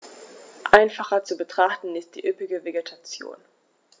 Einfacher zu betrachten ist die üppige Vegetation.